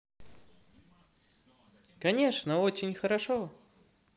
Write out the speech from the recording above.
конечно очень хорошо